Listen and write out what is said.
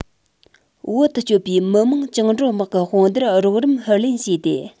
བོད དུ སྐྱོད པའི མི དམངས བཅིངས འགྲོལ དམག གི དཔུང སྡེར རོགས རམ ཧུར ལེན བྱས ཏེ